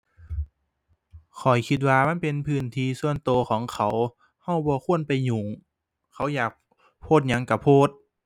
ข้อยคิดว่ามันเป็นพื้นที่ส่วนตัวของเขา ตัวบ่ควรไปยุ่ง เขาอยากโพสต์หยังตัวโพสต์